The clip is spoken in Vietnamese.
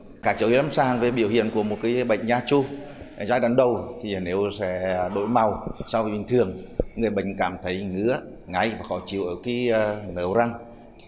các dấu hiệu lâm sàng về biểu hiện của một cái bệnh nha chu giai đoạn đầu thì nếu sẽ đổi màu sau bình thường người bệnh cảm thấy ngứa ngáy khó chịu ở cái nướu răng